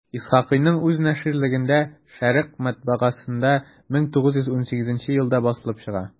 Исхакыйның үз наширлегендә «Шәрекъ» матбагасында 1918 елда басылып чыга.